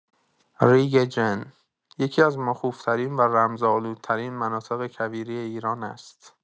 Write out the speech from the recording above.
«ریگ جن» یکی‌از مخوف‌ترین و رمزآلودترین مناطق کویری ایران است.